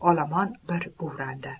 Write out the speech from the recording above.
olomon bir guvrandi